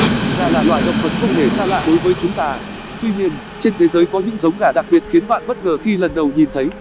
gà là loài động vật không hề xa lạ đối với chúng ta tuy nhiên trên thế giới có những giống gà đặc biệt khiến bạn bất ngờ khi lần đầu nhìn thấy